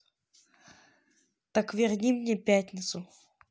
так верни мне пятницу